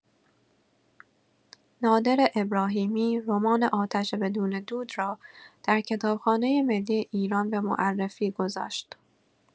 نادر ابراهیمی رمان آتش بدون دود را در کتابخانه ملی ایران به معرفی گذاشت.